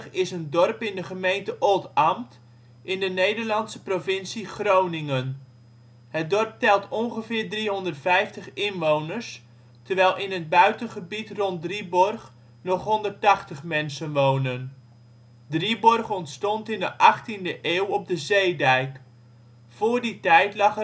is een dorp in de gemeente Oldambt in de Nederlandse provincie Groningen. Het dorp telt ongeveer 350 inwoners, terwijl in het buitengebied rond Drieborg nog 180 mensen wonen. Drieborg ontstond in de achttiende eeuw op de zeedijk. Voor die tijd lag